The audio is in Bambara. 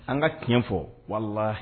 An ka tiɲɛ fɔ wala